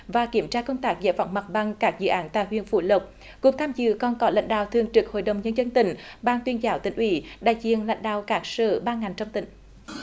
và kiểm tra công tác giải phóng mặt bằng các dự án tại huyện phú lộc cùng tham dự còn có lãnh đạo thường trực hội đồng nhân dân tỉnh ban tuyên giáo tỉnh ủy đại diện lãnh đạo các sở ban ngành trong tỉnh